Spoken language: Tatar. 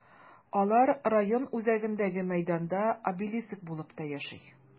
Алар район үзәгендәге мәйданда обелиск булып та яши.